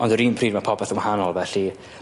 Ond yr un pryd ma' popeth yn wahanol felly